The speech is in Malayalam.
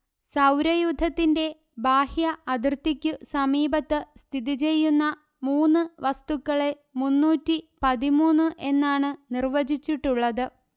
സൌരയൂഥത്തിന്റെ ബാഹ്യ അതിർത്തിക്കു സമീപത്ത് സ്ഥിതി ചെയ്യുന്ന മൂന്ന് വസ്തുക്കളെ മൂന്നൂറ്റി പതിമൂന്ന് എന്നാണ് നിർവചിച്ചിട്ടുള്ളത്